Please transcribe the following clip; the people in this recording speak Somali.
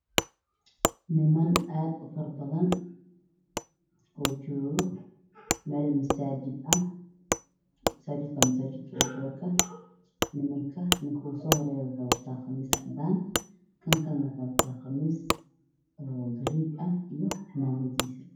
Waa niman fara badan oo banaan joogo waxay ag joogaan masaajidka cali jimcaale khamiisyo ayay qabaan